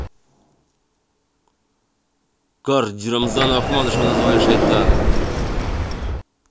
cardi рамзана ахмадышева назвали шайтана